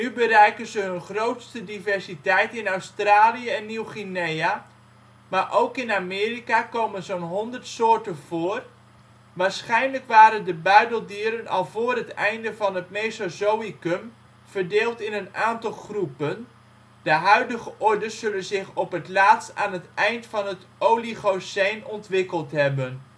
bereiken ze hun grootste diversiteit in Australië en Nieuw-Guinea, maar ook in Amerika komen zo 'n honderd soorten voor. Waarschijnlijk waren de buideldieren al voor het einde van het Mesozoïcum verdeeld in een aantal groepen; de huidige ordes zullen zich op het laatst aan het eind van het Oligoceen ontwikkeld hebben